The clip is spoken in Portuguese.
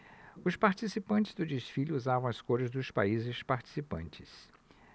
os participantes do desfile usavam as cores dos países participantes